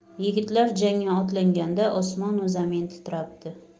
yigitlar jangga otlanganda osmonu zamin titrabdi